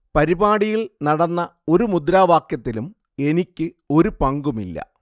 പരിപാടിയിൽ നടന്ന ഒരു മുദ്രാവാക്യത്തിലും എനിക്ക് ഒരു പങ്കുമില്ല